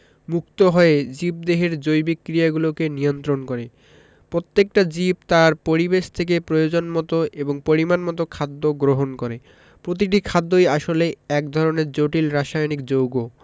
মুক্ত হয়ে জীবদেহের জৈবিক ক্রিয়াগুলোকে নিয়ন্ত্রন করে প্রত্যেকটা জীব তার পরিবেশ থেকে প্রয়োজনমতো এবং পরিমাণমতো খাদ্য গ্রহণ করে প্রতিটি খাদ্যই আসলে এক ধরনের জটিল রাসায়নিক যৌগ